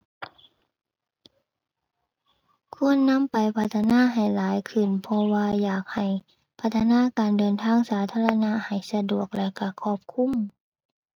ควรนำไปพัฒนาให้หลายขึ้น เพราะว่าอยากให้พัฒนาการเดินทางสาธารณะให้สะดวก แล้วก็ครอบคลุม